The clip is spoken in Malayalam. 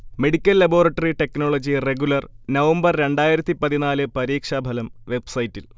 medical laboratory technology regular November രണ്ടായിരത്തി പതിനാല് പരീക്ഷാഫലം വെബ്സൈറ്റിൽ